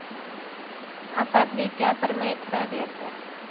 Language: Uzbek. asadbek gapirmay turaverdi